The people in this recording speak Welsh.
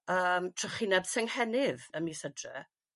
yym trychineb Senghennydd ym mis hydre